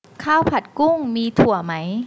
ข้าวผัดกุ้งมีถั่วไหม